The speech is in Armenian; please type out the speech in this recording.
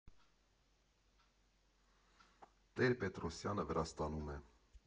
Տեր֊֊Պետրոսյանը Վրաստանում է։